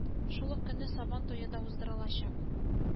Шул ук көнне сабантуе да уздырыла